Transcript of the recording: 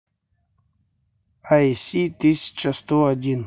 ай си тысяча сто один